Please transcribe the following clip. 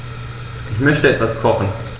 Ich möchte etwas kochen.